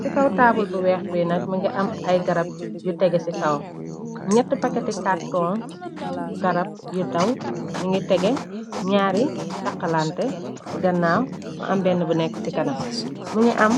Ci kaw taabul bu weex bi yi nag mi ngi am ay garab yu tege ci kaw ñett paketi kàrton garab yu daw ñu ngi tege ñaari taxalante i gannaaw mu am bn bu nekk ci kanam mi ngi am